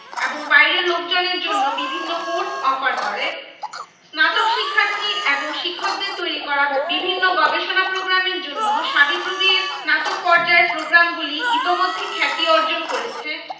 এবং বাইরের লোকজনের জন্য বিভিন্ন কোর্স অফার করে স্নাতক শিক্ষার্থী এবং শিক্ষকদের তৈরি করা বিভিন্ন গবেষণা প্রোগ্রামের জন্য সাবিপ্রবি এর স্নাতক পর্যায়ের প্রগ্রামগুলি ইতোমধ্যে খ্যাতি অর্জন করেছে